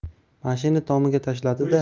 mashina tomiga tashladi da